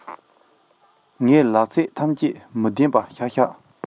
ངས ལབ ཚད ཐམས ཅད མི བདེན པ ཤག ཤག